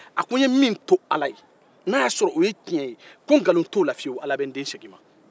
a ko n ye min to ala ye n' o ye tiɲɛ ye ko nkalon t'o la fiyewu ala bɛ n den segin n ma